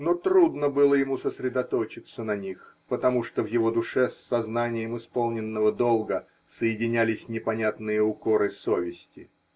Но трудно было ему сосредоточиться на них, потому что в его душе с сознанием исполненного долга соединялись непонятные укоры совести.